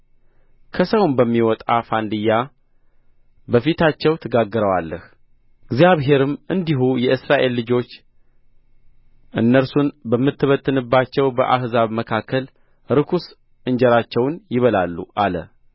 ከሰውም በሚወጣ ፋንድያ በፊታቸው ትጋግረዋለሁ እግዚአብሔርም እንዲሁ የእስራኤል ልጆች እነርሱን በምበትንባቸው በአሕዛብ መካከል ርኩስ እንጀራቸውን ይበላሉ አለ